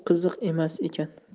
qiziq emas ekan